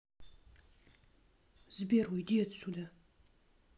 сбер уйди отсюда